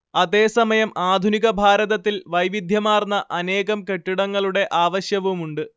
അതേസമയം ആധുനിക ഭാരതത്തിൽ വൈവിധ്യമാർന്ന അനേകം കെട്ടിടങ്ങളുടെ ആവശ്യവുമുണ്ട്